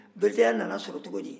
bereteya nana sɔrɔ cogo di